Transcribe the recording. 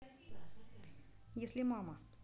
если мама